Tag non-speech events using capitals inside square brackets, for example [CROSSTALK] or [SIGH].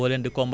[HESITATION] [HESITATION]